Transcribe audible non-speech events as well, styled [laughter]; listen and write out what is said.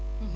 [hesitation] [hesitation]